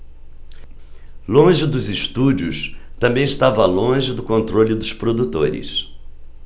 longe dos estúdios também estava longe do controle dos produtores